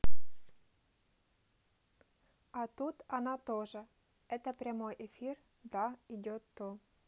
а тут она тоже это прямой эфир да идет то